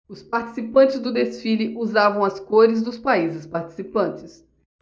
os participantes do desfile usavam as cores dos países participantes